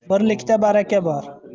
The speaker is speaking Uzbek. birlikda baraka bor